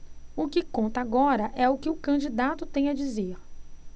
o que conta agora é o que o candidato tem a dizer